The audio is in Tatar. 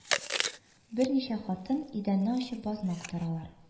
Берничә хатын, идәнне ачып, базны актаралар